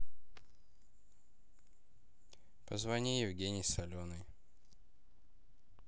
позвони евгений соленой